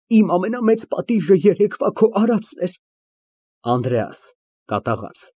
Իմ ամենամեծ պատիժը երեկվա քո արածն էր։ ԱՆԴՐԵԱՍ ֊ (Կատաղած)